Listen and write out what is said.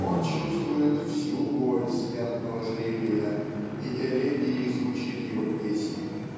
он чувствует всю боль смертного жребия, и элегией звучит его песнь